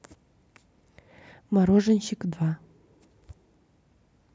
мороженщик два